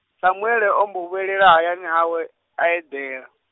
Samuele ambo vhuyelela hayani hawe, a eḓela.